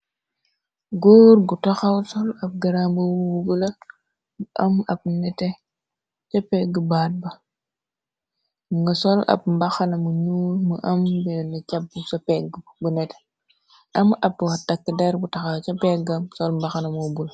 Góor gu taxaw sol ab garamba wu bula, am ab nete ca peggi baat ba, nga sol ab mbaxanamu ñuul mu am benn chàbb sa pegg bu nete. Am ab wa takk der bu taxaw ca peggam sol mbaxana mu bula.